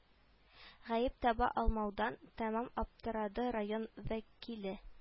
Гаеп таба алмаудан тәмам аптырады район вәкиле